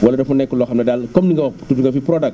wala dafa nekk loo xam ne daal comme li nga wax tudd nga fi Prodac